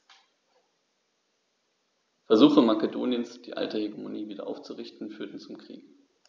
Versuche Makedoniens, die alte Hegemonie wieder aufzurichten, führten zum Krieg.